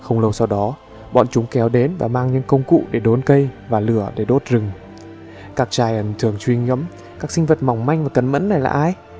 không lâu sau bọn chúng kéo đến mang theo công cụ để đốn cây và lửa để đốt rừng các treant thường suy ngẫm các sinh vật mỏng manh cần mẫn này là ai